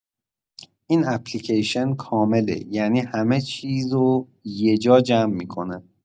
این اپلیکیشن کامله، یعنی همه چیزو یه جا جمع می‌کنه.